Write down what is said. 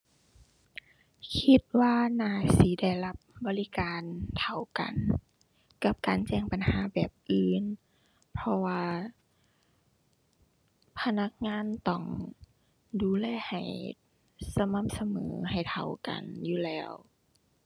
คิดว่าน่าสิได้รับบริการเท่ากันกับการแจ้งปัญหาแบบอื่น เพราะว่า พนักงานต้องดูแลให้สม่ำเสมอให้เท่ากันอยู่แล้ว